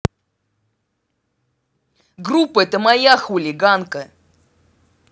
группа это моя хулиганка